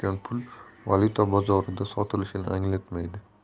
pul valyuta bozorida sotilishini anglatmaydi